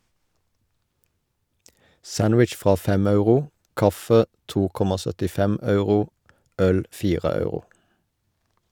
Sandwich fra 5 euro, kaffe 2,75 euro, øl 4 euro.